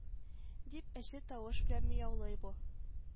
Дип әче тавыш белән мияулый бу